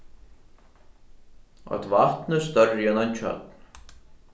eitt vatn er størri enn ein tjørn